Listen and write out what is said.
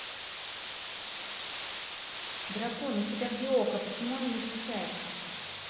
дракон у тебя где okko почему оно не включается